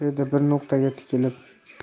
dedi bir nuqtaga tikilib